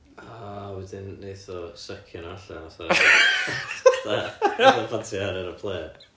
A wedyn neith o sycio nhw allan fatha... ... fatha fatha pan ti ar aeroplên